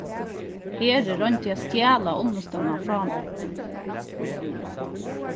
heri royndi at stjala unnustuna frá mær